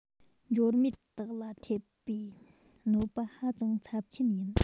འབྱོར མེད དག ལ ཐེབས པའི གནོད པ ཧ ཅང ཚབས ཆེན ཡིན